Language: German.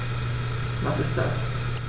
Was ist das?